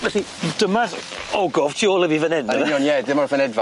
Felly dyma'r ogof tu ôl i fi fyn 'yn yfe? Yn union ie dyma'r fyneddfa.